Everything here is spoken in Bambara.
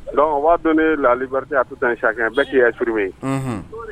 Donc' don ne lali a tɛ tan si bɛɛ' yeur ye